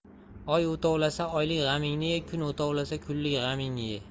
oy o'tovlasa oylik g'amingni ye kun o'tovlasa kunlik g'amingni ye